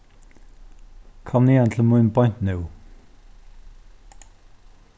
kom niðan til mín beint nú